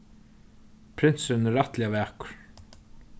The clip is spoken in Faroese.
prinsurin er rættiliga vakur